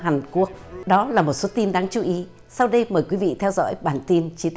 hàn quốc đó là một số tin đáng chú ý sau đây mời quý vị theo dõi bản tin chi